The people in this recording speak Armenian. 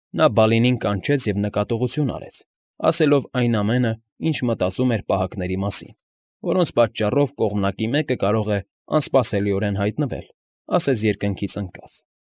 Նա Բալինին կանչեց և նկատողություն արեց, ասելով այն ամենը, ինչ մտածում էր պահակների մասին, որոնց պատճառով կողմանկի մեկը կարող է անսպասելիորեն հայտնվել, ասես երկնքից ընկած։